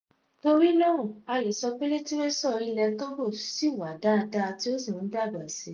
Fún ọdún márùn-ún nísìnyìí a ti ń ṣe àkíyèsí irú àyípadà tí a ti ń retí fún ìgbà pípẹ́ bẹ́ẹ̀.